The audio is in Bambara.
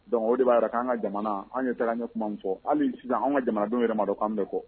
Dɔnku o de b'a jira' an ka jamana an ye taara an ɲɛ kuma fɔ hali sisan an ka jamanadenw yɛrɛ ma dɔn an bɛ kɔ